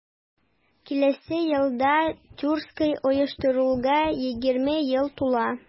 Киләсе елда Тюрксой оештырылуга 20 ел тула.